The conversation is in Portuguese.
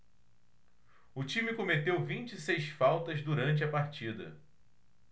o time cometeu vinte e seis faltas durante a partida